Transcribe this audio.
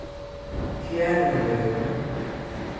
fjarðarvegur